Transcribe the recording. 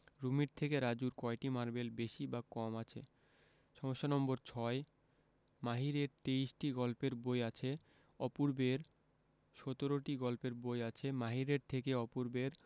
রুমির থেকে রাজুর কয়টি মারবেল বেশি বা কম আছে সমস্যা নম্বর ৬ মাহিরের ২৩টি গল্পের বই আছে অপূর্বের ১৭টি গল্পের বই আছে মাহিরের থেকে অপূর্বের